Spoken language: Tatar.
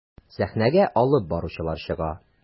Сәхнәгә алып баручылар чыга.